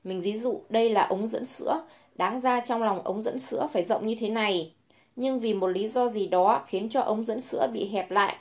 mình ví dụ đây là ống dẫn sữa đáng ra trong lòng ống dẫn sữa phải rộng như thế này nhưng vì một lý do gì đó khiến cho ống dẫn sữa bị hẹp lại